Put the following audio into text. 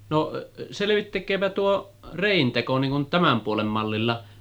no selvittäkääpä tuo reen teko niin kuin tämän puolen mallilla